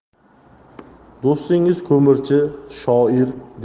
do'stingiz ko'mirchi shoir